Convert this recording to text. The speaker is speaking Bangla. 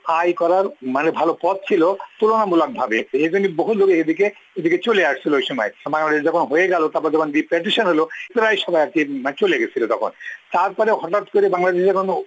হাই করার মানে ভালো পথ ছিল তুলনামূলকভাবে এ জন্য বহু লোক এদিকে চলে আসছিল ওই সময় তো বাংলাদেশ যখন হয়ে গেল তারপর যখন ডিভাইডেশন হল সবাই চলে গেছিল তখন তারপরে হঠাৎ করে বাংলাদেশে যখন